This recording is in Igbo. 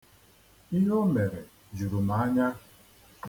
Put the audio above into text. Ihe o mere juru m anya.